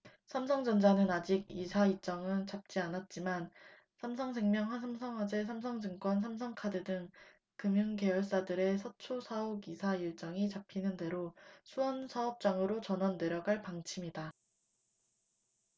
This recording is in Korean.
삼성전자는 아직 이사 일정은 잡지 않았지만 삼성생명 삼성화재 삼성증권 삼성카드 등 금융계열사들의 서초 사옥 이사 일정이 잡히는 대로 수원사업장으로 전원 내려갈 방침이다